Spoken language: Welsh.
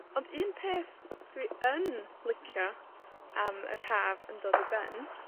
Ond un peth dwi yn licio am yr Haf yn dod i ben,